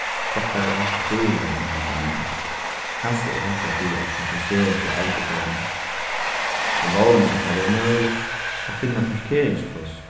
flottari og dýrari enn hin gamli kanska er hetta fyri at kompensera fyri aldurdómin eg vóni at tað verður møguligt at finna parkeringspláss